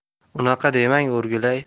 unaqa demang o'rgilay